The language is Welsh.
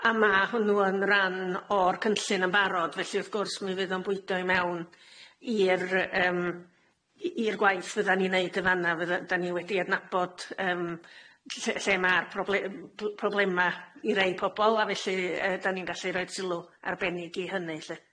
A ma hwnnw yn ran o'r cynllun yn barod felly wrth gwrs mi fydd o'n bwydo i mewn i'r yym i- i'r gwaith fyddan ni'n neud yn fan'na fydda- dan ni wedi adnabod yym ll- lle ma'r proble- problema i rei pobol a felly yyy dan ni'n gallu roid sylw arbennig i hynny 'lly.